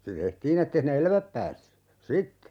se tehtiin että ei sinne elävät päässyt sitten